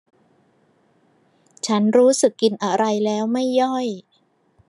ฉันรู้สึกกินอะไรแล้วไม่ย่อย